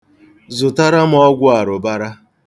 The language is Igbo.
Zụtara m ọgwụ arụbara.